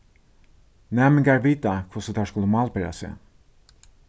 næmingar vita hvussu teir skulu málbera seg